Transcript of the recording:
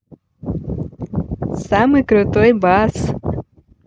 самый крутой бас